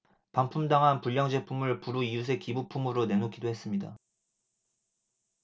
반품당한 불량제품을 불우이웃에 기부품으로 내놓기도 했습니다